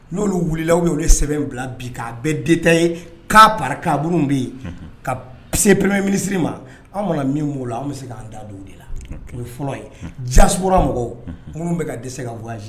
N'olu wulila' de sɛbɛn in bila bi k'a bɛɛ de ye'a pa'uru bɛ yen ka sep minisiri ma anw mana min' an bɛ se' an dadenw de la fɔlɔ jaaskura mɔgɔwurun bɛ ka de se ka wa